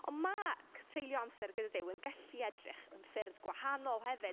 Ond ma' c- treulio amser gyda Duw yn gallu edrych yn ffyrdd gwahanol hefyd.